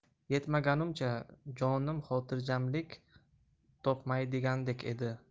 yetmagunimcha jonim xotirjamlik topmaydigandek edi